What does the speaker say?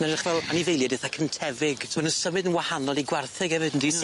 Ma'n edrych fel anifeilied itha cyntefig t'o ma' nw'n symud yn wahanol i gwartheg efyd on'd 'yn nw?